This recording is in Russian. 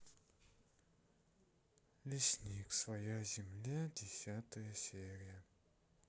лесник своя земля десятая серия